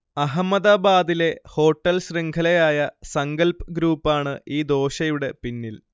അഹമ്മദാബാദിലെ ഹോട്ടൽ ശൃംഘലയായ സങ്കൽപ് ഗ്രൂപ്പാണ് ഈ ദോശയുടെ പിന്നിൽ